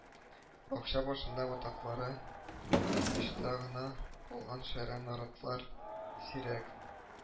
Бакча башында ботаклары очта гына калган шәрә наратлар. Сирәк